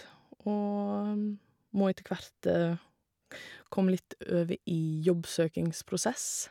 Og må etter hvert komme litt over i jobbsøkingsprosess.